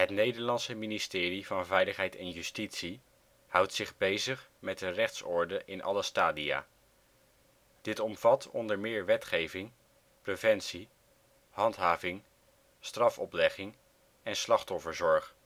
Nederlandse ministerie van Veiligheid en Justitie houdt zich bezig met de rechtsorde in alle stadia. Dit omvat onder meer wetgeving, preventie, handhaving, strafoplegging en slachtofferzorg